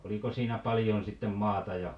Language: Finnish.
oliko siinä paljon sitten maata ja